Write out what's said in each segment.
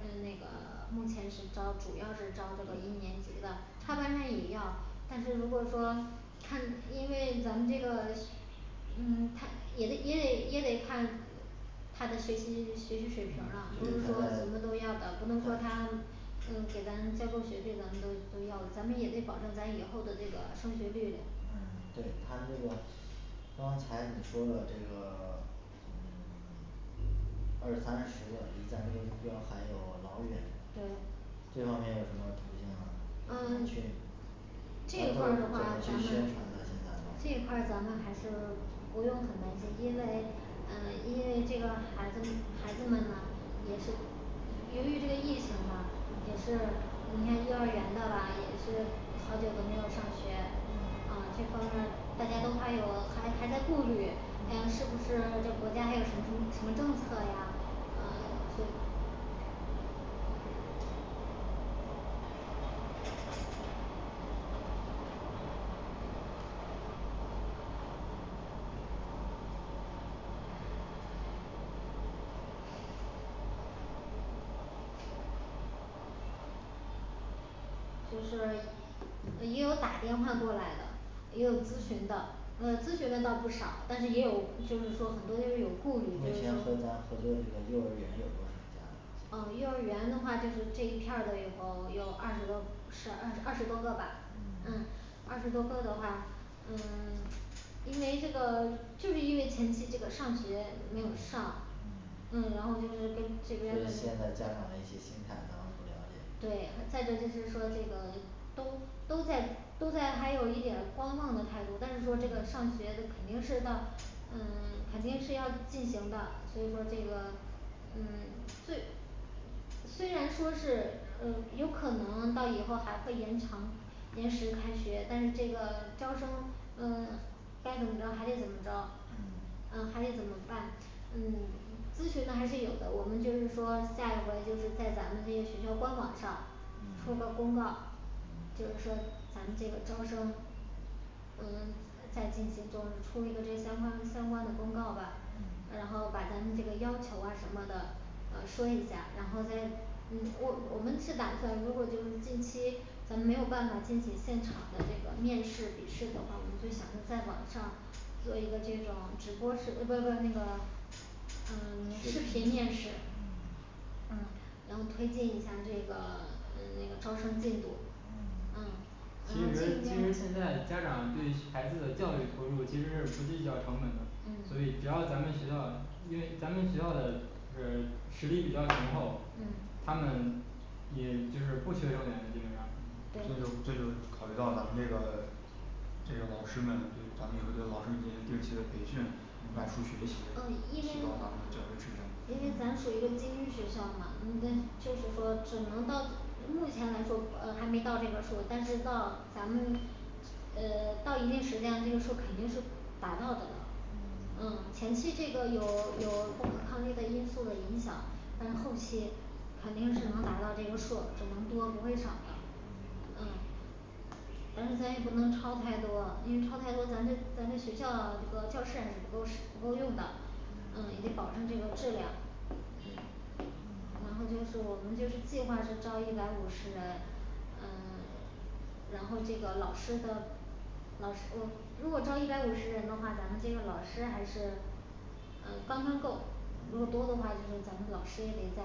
呃那个目前是招主要是招这个一年级的插嗯班生也要，但是如果说看，因为咱们这个嗯 他也得也得也得看他的学习学习水嗯平儿了，不不是是他说什么的都要的，不能说他嗯给咱交够学费，咱们都都要咱们也得保证咱以后的这个升学率嗯对他这个刚才你说的这个嗯 二三十个离咱那个方针还有好远对这方面有什么要推荐的吗嗯去 这一块儿的话，去咱宣们传这一块儿咱们还是不用很担心，因为呃因为这个孩子孩子们呢也是由于这个疫情嘛也嗯是，你看幼儿园的吧也是好久都没有上学，嗯啊这方面儿大家都还有还还在顾虑，哎呀是嗯不是国家还有什么什么政策呀啊对就是也有打电话过来的也有咨询的呃咨询的倒不少但是也有就是说很多就是有顾虑目就是前和说咱合作这个幼儿园有多少家啊嗯幼儿园的话就是这一片儿的有有二十多十二二十多个吧，嗯嗯二十多个的话嗯 因为这个就是因为前期这个上学没有上，嗯然后就是跟嗯这因边为的现在家长的一些心态咱们不了解对再着就是说这个都都在都在还有一点儿观望的态度，但是说这个上学肯定是上嗯 肯定是要进行的所以说这个嗯 最虽然说是呃有可能到以后还会延长延时开学，但是这个招生嗯该怎么着还得怎么着嗯，嗯还得怎么办，嗯咨询的还是有的，我们就是说下一回就是在咱们那学校官网上嗯出个公告嗯就是说咱们这个招生嗯在进行中出一个这相关相关的公告吧嗯，然后把咱们这个要求啊什么的呃说一下然后再嗯我我们是打算如果就是近期咱没有办法进行现场的这个面试，笔试的话，我们就想着在网上做一个这种直播是不不不那个呃 视视频频面试嗯然后推进一下这个那个招生进度嗯嗯其实其实现在家长对孩子的教育投入其实是不计较成本的，所嗯以只要咱们学校，因为咱们学校的就是实力比较雄厚嗯他们你就是不缺重点的，基本上这个不对这缺重个考虑到咱们这个这个老师们就咱们对老师们进行定期的培训，外出学习提因为高咱们的教学质量因为咱们是一个学校嘛嗯就是说只能到目前来说还没到这个数儿但是到咱们呃 到一定时间这个数儿肯定是达到的了嗯嗯前期这个有有不可抗力的因素的影响但是后期肯定是能达到这个数儿，只能多不会少的嗯 嗯但是咱也不能超太多，因为超太多，咱这咱这学校这个教室还是不够使不够用的，嗯也得保证这个质量。 嗯嗯嗯然后就是我们就是计划是招一百五十人嗯 诶然后这个老师的老师我如果招一百五十人的话咱们这个老师还是呃刚刚够如果多的话就是咱们老师也得再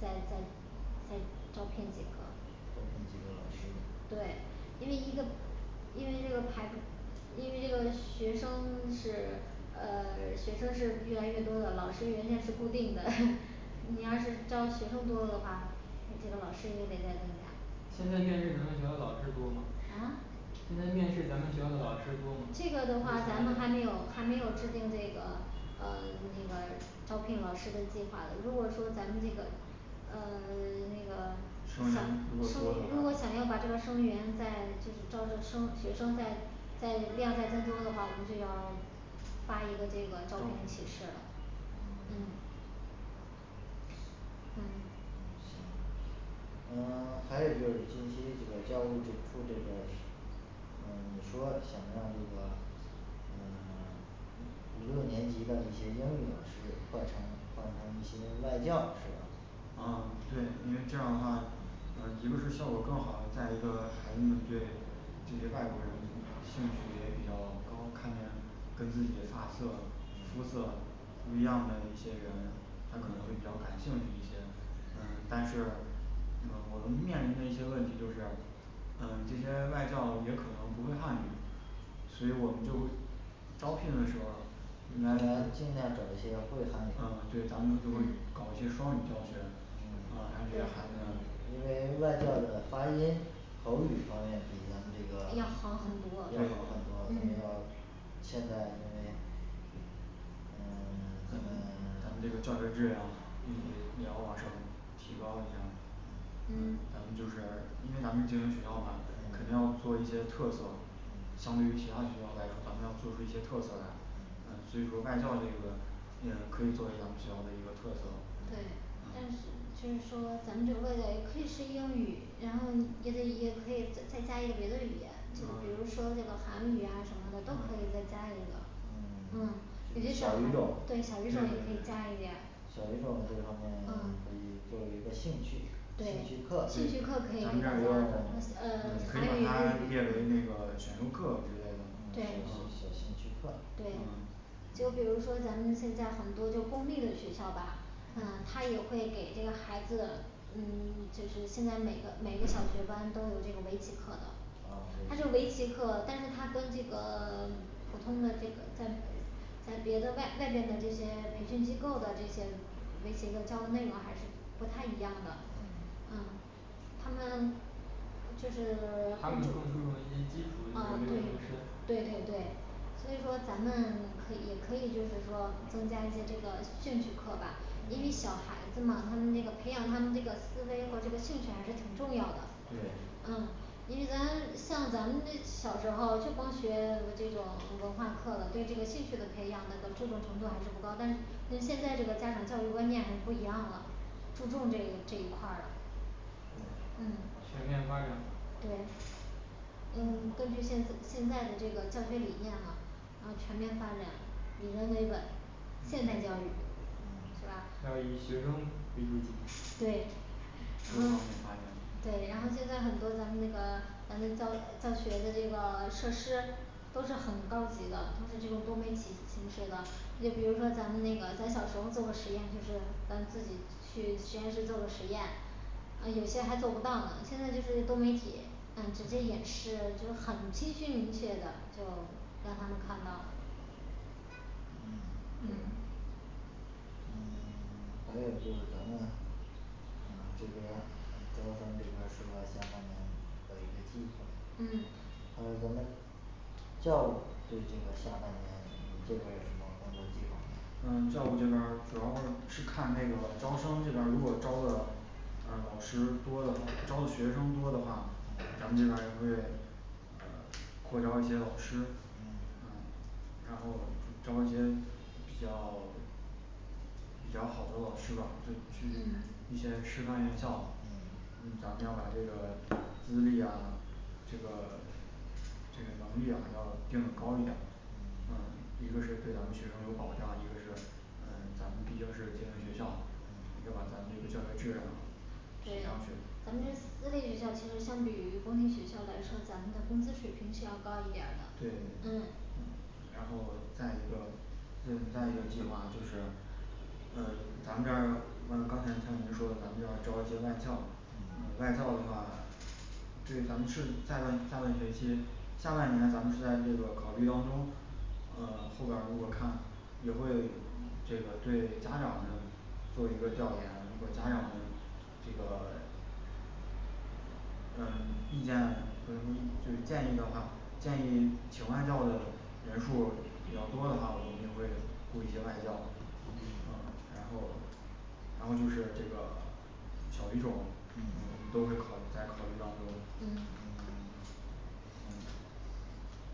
再再再招聘几个嗯招聘几个老师对因为一个因为这个孩因为这个学生 是呃 学生是越来越多的老师人家是固定的 你要是招学生多了的话，那这个老师也得再增加现在面试咱们学校老师多吗啊现在面试咱们学校的老师多吗？这个的话咱们还没有还没有制定这个呃那个招聘老师的计划的，如果说咱们那个呃 那个很生源生如果多如的果话想要把这个生源再就是招这个生学生再再量再增多的话我们就要发一个这个招聘启事了嗯嗯嗯嗯行那么还有就是近期这个教务这处这边儿嗯说想要这个嗯 五六年级的一些英语老师换成换成一些外教是吧哦对，因为这样儿的话，嗯一个是效果更好了，再一个孩子们对这嗯些外国人兴趣也比较高，看看跟自己的发色肤色嗯不一样的一些人，他可能会比较感兴趣一些。嗯嗯但是这个我们面临的一些问题就是嗯这些外教也可能不会汉语所以我们就招聘的时候儿啊尽来啊量找一些会汉语嗯的，对咱们嗯对搞一些双语教学嗯啊来给孩子们。因为外教的发音口语方面比咱们这个要要好好很很多多比较对嗯现在因为嗯 咱们咱们这个教学质量啊必须也要往上提高一下嗯嗯咱们就是因为咱们是寄宿学校嘛肯定要嗯做一些特色，相嗯对于其他学校来说咱们要做出一些特色来，嗯嗯所以说外教这个也可以作为咱们学校的一个特色嗯嗯对。但是嗯就是说咱们这个外教也可以是英语，然后也得也可以再再加一个别的语言，就比如说这个韩语啊什么的都可以再加一个对嗯有嗯些小小语种对对小语种也可以加一点小语种这方面嗯可以做为一个兴趣对兴兴趣趣课课咱们这儿可可以以让给大家呃韩他语日语变为那个选修课之类的嗯对小兴趣课对就比如说咱们现在很多就公立的学校吧，嗯他也会给这个孩子嗯 就是现在每个每个小学班都有这个围棋课的啊，他就围棋课，但是他跟这个 普通的这个在呃在别的外外边的这些培训机构的这些那些个教的内容还是不太一样的嗯嗯他们就是 他更们注注重注重一些基础的啊一些对对对对所以说咱们可以也可以就是说增加一些这个兴趣课吧，因嗯为小孩子嘛他们这个培养他们这个思维和这个兴趣还是挺重要的对。嗯因为咱像咱们这小时候儿就光学这种文化课了对这个兴趣的培养呢和注重程度还是不高，但是但是现在这个家长教育观念还是不一样了注重这一这一块儿了嗯嗯全面发展对嗯根据现现在的这个教学理念嘛，然后全面发展以人为本现代教育是嗯吧，还有以学生为中心对嗯发展对然后现在很多咱们那个咱们教教学的这个设施都是很高级的，都是这种多媒体形式的，就比如说咱们那个咱小时候儿做过实验，就是咱自己去实验室做个实验嗯有些还做不到呢，现在就是多媒体嗯直接演示就是很清晰明确的就让他们看到嗯嗯嗯 还有就是咱们嗯这边儿这个说了下半年的一个计划嗯啊咱们教务这就是下半年你这边儿有什么工作计划吗嗯教务这边儿主要是看这个招生这边儿如果招的啊老师多的话招学生多的话，咱嗯们这边儿越呃嗯 会招一些老师嗯然后招一些比较比较好的老师吧就去嗯一些师范院校嗯，咱们要把这个资历呀这个这个能力呀要定的高一点儿，嗯嗯一个是对咱们学生有保障，一个是嗯咱们的确是精英学校嘛要把咱们这个教学质量对然咱后们这个是嗯私立学校其实相对于公立学校来说，咱们的工资水平是要高一点儿的。嗯对然后再一个这种待遇计划就是呃咱们这儿呢嗯刚才像您说的，咱们要招一些外教嗯，外教的话这个咱们是下半下半学期下半年咱们是在那个考虑当中，嗯后边儿我看也会这个对家长们做一个调研，如果家长们这个嗯意见嘞不能就建议的话，建议请外教的人数儿比较多的话，我们也会雇一些外教。嗯嗯然后然后就是这个小语种儿我们嗯都会考在考虑当中的嗯嗯嗯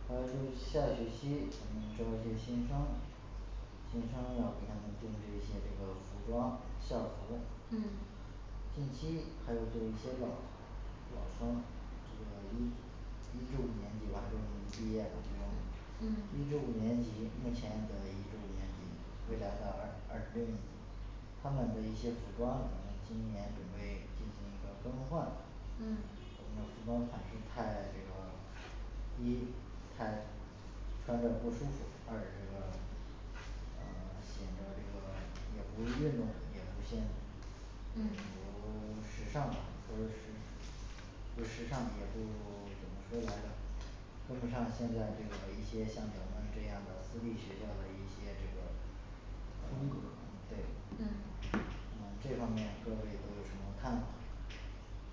还有就是下学期我们招一些新生新生呢给他们定制一些这个服装校服儿嗯近期还有就是一些老老生就是一一至五年级吧就是没毕业的嗯一至五年级目前的一至五年级，未来的二二至六年级他们的一些服装，我们今年准备进行一个更换，我们嗯的服装款式太这个一太穿的不舒服二是什么呢呃显得这个也不运动也不先进嗯我们都时尚的都是不时尚的也不 怎么说来着，跟不上现在这个一些像咱们这样的私立学校的一些这个风格嗯对嗯嗯这方面各位都有什么看法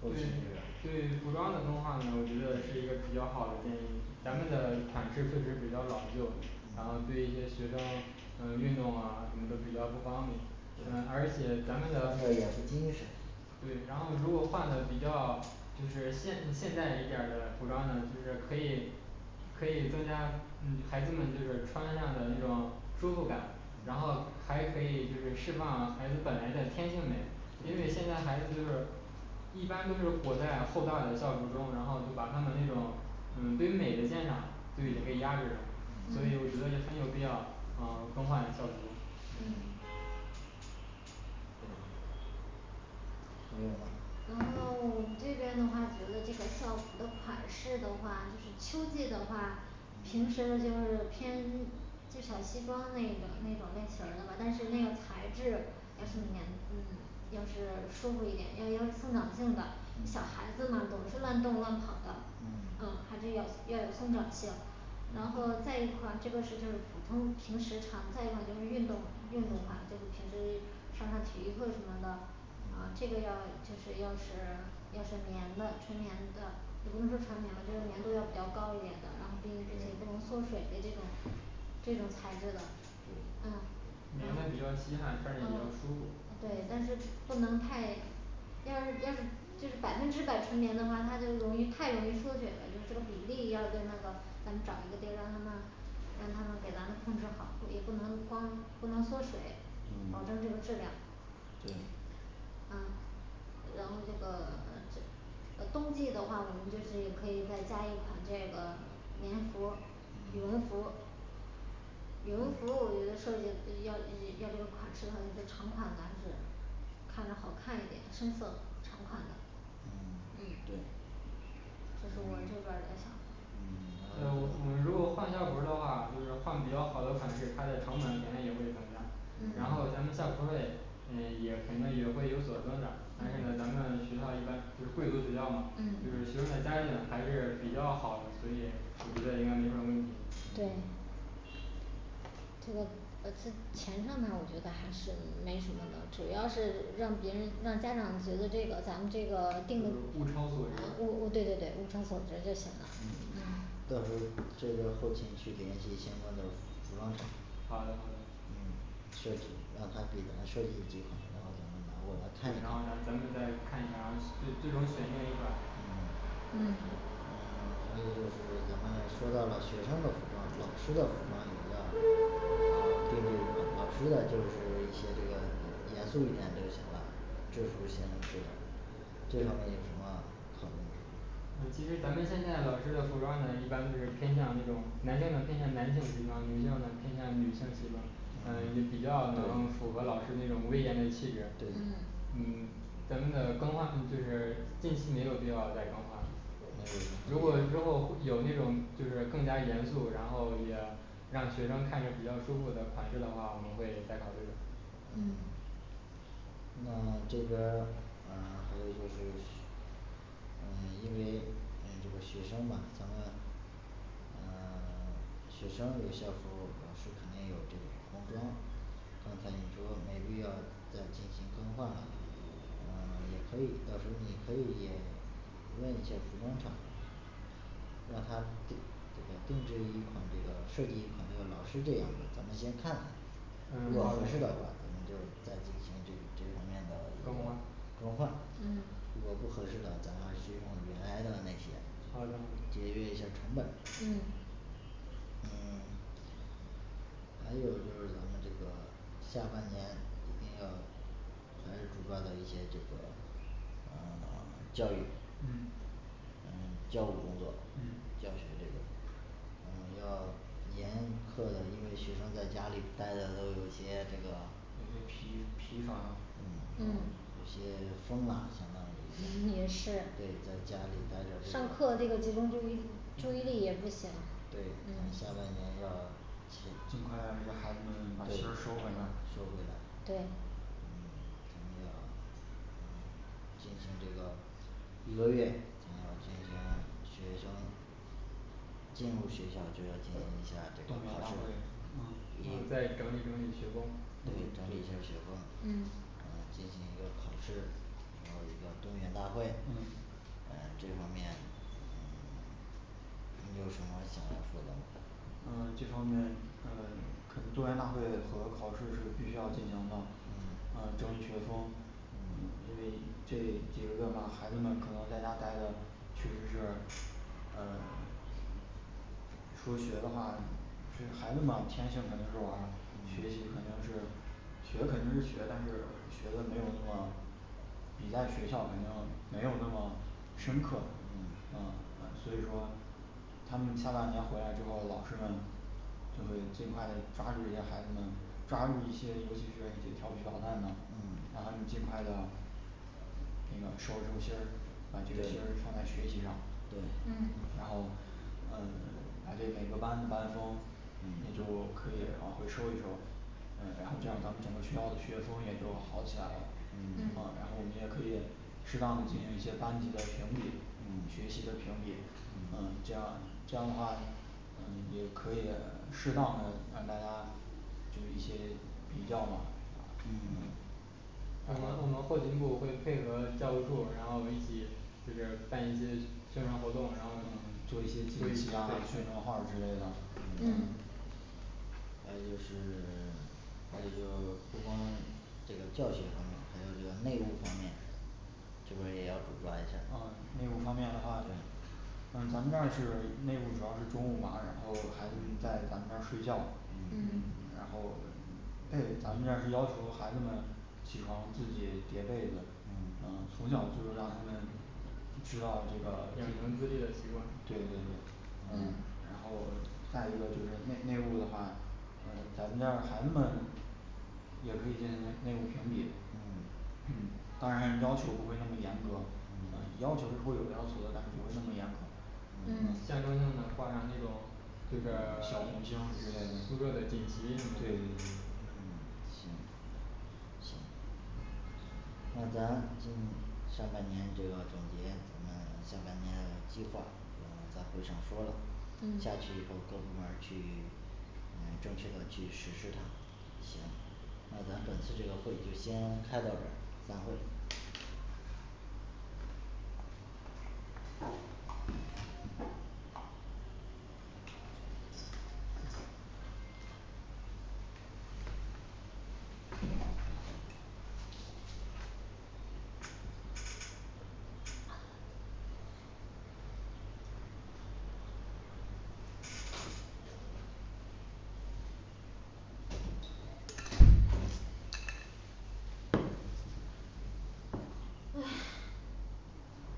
后对勤这边对服装的更换呢我觉得是一个比较好的建议，咱们的款式确实比较老旧，然后嗯对一些学生嗯运动啊什么都比较不方便嗯，对而且咱们的穿着也不精神对，然后如果换的比较就是现现代一点儿的服装呢，就是可以可以增加嗯孩子们就是穿上的那种舒服感，然嗯后还可以就是释放孩子本来的天性美。因为现在孩子就是一般都是裹在厚大的校服儿中，然后就把他们那种嗯对于美的鉴赏都已经被压制了，嗯所以嗯我觉得很有必要啊更换校服儿嗯嗯还有呢然后我们这边的话觉得这个校服的款式的话，就是秋季的话嗯平时呢就是偏就小西装儿那的那种类型儿的吧但是那个材质要是黏嗯要是舒服一点，要要松长性的，小嗯孩子嘛总是乱动乱跑的嗯，嗯还是要要有松长性嗯然嗯后再一款这个是就是普通平时穿再一款就是运动运动款，就是平时上上体育课什么的，啊嗯这个要就是要是要是棉的纯棉的，也不能说纯棉吧，就是棉度要比较高一点的，然后并并且不能缩水的这种这种材质的啊棉的啊比较吸汗穿着比较不舒嗯服对但是不能太要是要是就是百分之百纯棉的话他就容易太容易缩水了因为这个比例要跟那个咱们找一个地儿，让他们让他们给咱们控制好，不也不能光不能缩水嗯，保证这个质量。对啊然后这个 这呃冬季的话我们就是也可以再加一款这个棉服儿，羽嗯绒服羽绒服儿我觉得设计要要这个款式的话，就是长款的还是看着好看一点的，深色长款的嗯嗯对这是我们嗯这边儿的想法嗯我们如果换校服儿的话，就是换比较好的款式，它的成本肯定也会增加。嗯然后咱们校服儿费呃也肯定也会有所增长，但嗯是嗯呢咱们学校一般就是贵族学校嘛，就嗯是学生的家境还是比较好的，所以我觉得应该没什么问题，对这个呃次 钱上面儿我觉得还是没什么的，主要是让别人让家长觉得这个咱们这个定的物超啊所值物物对对对物超所值就行了，嗯嗯，到时候这边儿后勤去联系相关的服装厂好的嗯设计让他给咱设计几款然后咱们拿过来对看一下然后咱嗯咱们再看一下最最终选定一款嗯嗯嗯还有就是咱们说到了学生的服装，老师的服装，咱们要啊定位老师的就是一些这个严肃一点就行了这行可以这方面有什么考虑嗯其实咱们现在老师的服装呢一般都是偏向那种男性的偏向男性的西装女性的偏向女性的西装，呃也嗯比较能对符合老师那种威严的气质对嗯嗯嗯咱们的更换就是近期没有必要再更换了嗯如果之后有那种就是更加严肃，然后也让学生看着比较舒服的款式的话，我们会再考虑。嗯那这边儿嗯还有就是嘘嗯 诶因为这个学生嘛咱们嗯 学生有校服儿老师肯定也有这工装刚才你说没必要再进行更换了嗯 也可以到时候儿你可以问一下儿服装厂让他就是定制一款这个设计一款这个老师这样的咱们先看看遇嗯到合嗯适的款，你就再进行这这个方面的更更换换，如嗯果不合适的咱们还是用原来的那些好的节约一下儿成本嘛嗯嗯 还有就是咱们这个下半年一定要还是主抓的一些这个嗯好教育嗯嗯教务工作嗯教学这边儿我们要严苛的，因为学生在家里待着都有一些这个有些疲疲乏嗯有些疯啦嗯也是，对在家里待着这上课这个集个，中注意注意力也不行对，下嗯半年要尽歇快让这些孩子们把心儿收对回来，对收回来嗯咱们要嗯进行这个一个月咱们要进行学生进入学校就要进行一下这个考试嗯再整理整理学风，对整理一下学风，嗯呃进行一个考试搞一个动员大会嗯呃这方面嗯 你有什么想要说的吗嗯这方面呃肯动员大会和考试是必须要进行的。嗯嗯整理学风嗯，因因为这几个月吧孩子们可能在家呆的确实是呃除了学的话其实孩子呢天性可能是玩儿，学习嗯肯定是学肯定是学，但是学的没有那么比在学校反正没有那么深刻嗯，啊所以说他们下半年回来之后，老师们就会尽快的抓住一些孩子们，抓住一些尤其是一些调皮捣蛋的，嗯然后尽快的那个收收心儿把这个心儿对放在学习上对嗯然后嗯嗯 把这每个班的班风就可以往回收一收然后嗯这样咱们整个学校的学风也就好起来了嗯，然后我们也可以适当的进行一些班级的评比嗯学习的评比，嗯嗯这样这样的话嗯也可以适当的让大家就是一些比较嘛嗯 我们我们后勤部会配合教务处，然后一起就是办一些宣传活动，然后那做做一一些些培训宣传画儿之类的嗯还有就是 还有就&国家&这个教学方面还有这个内务方面这边儿也要主抓一下儿哦内务方面的话对嗯咱们这儿是内务主要是中午嘛，然后孩子们在咱们这儿睡觉嗯嗯，然后被子咱们这儿是要求孩子们起床自己叠被子，嗯嗯从小就是让他们知道这个对对对对对对嗯嗯然后再一个就是内内务的话，呃咱们这儿孩子们也可以进行内务评比嗯，嗯当然要求不会那么严格嗯，要求是会有要求的，但是不会那么严格嗯嗯相对应的挂上这种就是 小红星儿之类的宿对舍的对锦旗对嗯行行那咱今上半年这个总结我们下半年的计划，在会上说了下嗯去以后各部门儿去你们正确的去实施它。行。那咱本次这个会就先开到这儿，散会。